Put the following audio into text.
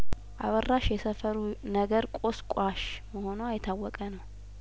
አበራሽ የሰፈሩ ነገር ቆስቋሽ መሆኗ የታወቀ ነው